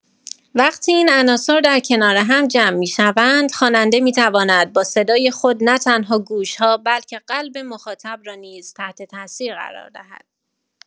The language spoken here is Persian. وقتی این عناصر در کنار هم جمع می‌شوند، خواننده می‌تواند با صدای خود نه‌تنها گوش‌ها، بلکه قلب مخاطب را نیز تحت‌تاثیر قرار دهد.